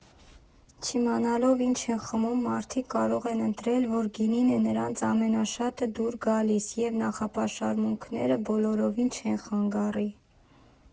Չիմանալով՝ ինչ են խմում՝ մարդիկ կարող են ընտրել, որ գինին է նրանց ամենշատը դուր գալիս, և նախապաշարմունքները բոլորովին չեն խանգարի։